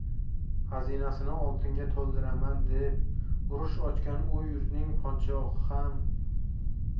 xazinasini oltinga to'ldiraman deb urush ochgan u yurtning podshosini ham